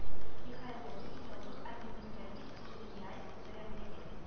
Михайловский ябык административ-территориаль берәмлеге